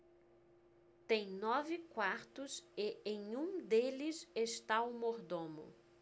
tem nove quartos e em um deles está o mordomo